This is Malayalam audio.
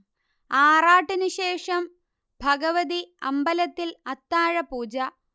ആറാട്ടിനുശേഷം ഭഗവതി അമ്പലത്തിൽ അത്താഴപൂജ